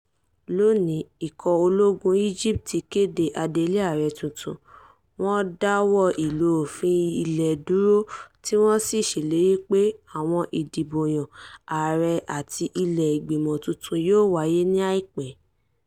Lónìí, ikọ̀ ológun Egypt kéde adele ààrẹ tuntun, wọ́n dáwọ́ ìlò òfin ilẹ̀ dúró tí wọ́n sì ṣe ìlérí pé àwọn ìdìbòyàn ààrẹ àti ilé-ìgbìmọ̀ tuntun yóò wáyé ní àìpẹ́.